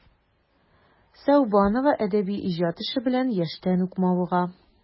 Сәүбанова әдәби иҗат эше белән яшьтән үк мавыга.